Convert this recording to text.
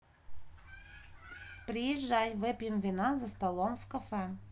приезжай выпьем вина за столом в кафе